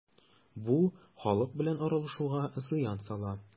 Бу халык белән аралашуга зыян сала.